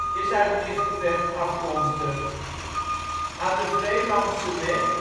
is uit Nigtevecht afkomstig. Aan de Vreelandseweg